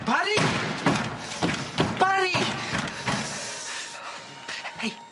Bari! Bari! Hei.